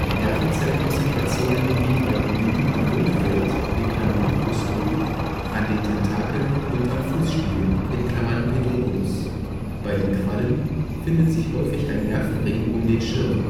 Nervenzellkonzentrationen liegen bei Polypen im Mundfeld (Hypostom), an den Tentakeln und am Fußstiel (Pedunculus), bei den Quallen findet sich häufig ein Nervenring um den Schirm